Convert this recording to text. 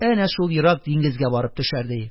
Әнә шул ерак диңгезгә барып төшәр, ди.